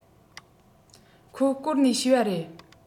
ཁོ བསྐོལ ནས ཤེས པ རེད